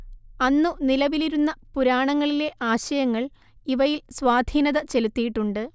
അന്നു നിലവിലിരുന്ന പുരാണങ്ങളിലെ ആശയങ്ങൾ ഇവയിൽ സ്വാധീനത ചെലുത്തിയിട്ടുണ്ട്